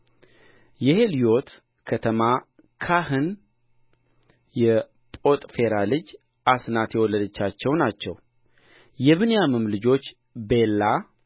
የዛብሎንም ልጆች ሴሬድ ኤሎን ያሕልኤል ልያ